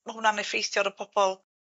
Ma' hwnna'n effeithio ar y pobol